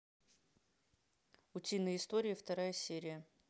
утиные истории вторая серия